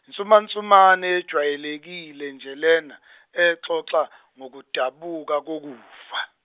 insumansumane ejwayelekile nje lena exoxa, ngokudabuka kokufa.